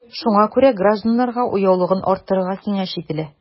Шуңа күрә гражданнарга уяулыгын арттырыга киңәш ителә.